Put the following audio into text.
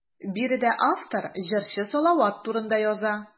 Биредә автор җырчы Салават турында яза.